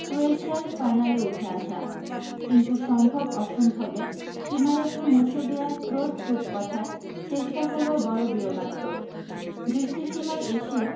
ক্রোয়েশিয়ার ফাইনালে উঠে আসা কিন্তু সম্ভব অসম্ভবের সীমারেখা মুছে দেয়া ক্রোট রূপকথার শেষটা হল বড় বিয়োগান্তক দৃষ্টিসীমায় এসেও